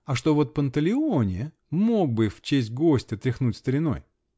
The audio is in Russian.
а что вот Панталеоне мог бы, в честь гостя, тряхнуть стариной!